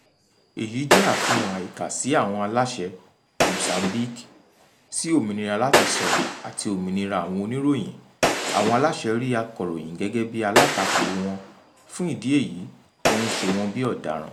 Èyí jẹ́ àfihàn àìkàsí àwọn aláṣẹ Mozambique sí òmìnira láti sọ̀rọ̀ àti òmìnira àwọn oníròyìn... [àwọn aláṣẹ] rí akọ̀ròyìn gẹ́gẹ́ bí alátakò wọn [fún ìdí èyí] wọ́n ń ṣe wọ́n bí ọ̀daràn.